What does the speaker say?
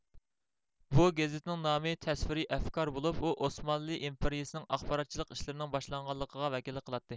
بۇ گېزىتنىڭ نامى تەسۋىرىي ئەفكار بولۇپ ئۇ ئوسمانلى ئىمپېرىيىسىنىڭ ئاخباراتچىلىق ئىشلىرىنىڭ باشلانغانلىقىغا ۋەكىللىك قىلاتتى